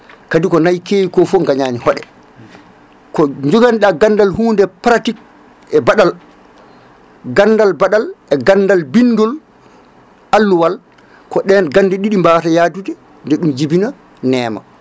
kadi ko nayyi kewi ko fo gañani hooɗe ko jogani gandal hunde pratique e baaɗal gandal baaɗal e gandal bindol alluwal ko ɗen gande ɗiɗi mbawata yadude nde ɗum jibina neema